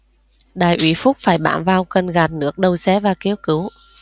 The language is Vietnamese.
đại úy phúc phải bám vào cần gạt nước đầu xe và kêu cứu